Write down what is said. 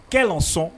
Kɛlen sɔn